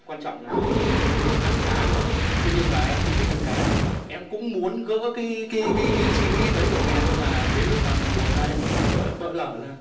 quan trọng là em ăn cá được thế nhưng mà em không thích ăn cá em cũng muốn gỡ cí cí cí suy nghĩ đấy của mẹ nhưng mà đến lúc mà mẹ buồn ra em mí vỡ lở ra